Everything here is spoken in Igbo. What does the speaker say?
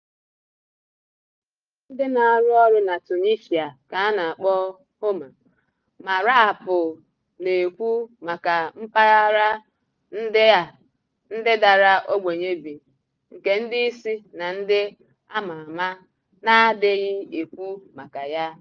Mpaghara ndị na-arụ ọrụ na Tunisia ka a na-akpọ Houma… Ma raapụ na-ekwu maka mpaghara ndị a ndị dara ogbenye bi, nke ndị isi na ndị ama ama na-adịghị ekwu maka ya.